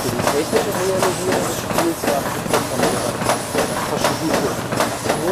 die technische Realisierung des Spiels waren die Programmierer Toshihiko Nakagō